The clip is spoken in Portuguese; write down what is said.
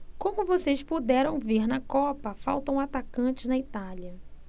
como vocês puderam ver na copa faltam atacantes na itália